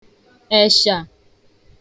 èshà